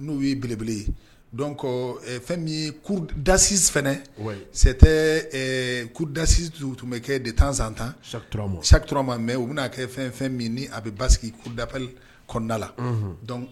N'u ye belebele dɔn ko fɛn yedasi f sɛ tɛ kudasi tun bɛ kɛ de tan san tan saurama mɛ u bɛnaa kɛ fɛn fɛn min a bɛ ba sigi kudap kɔnɔnada la